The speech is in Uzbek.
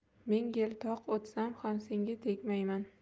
ming yil toq o'tsam ham senga tegmayman